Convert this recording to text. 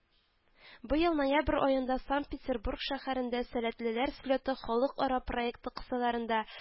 Быел ноябрь аенда Санкт-Петербург шәһәрендә «Сәләтлеләр слеты» Халыкара проекты кысаларында